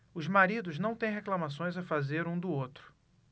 os maridos não têm reclamações a fazer um do outro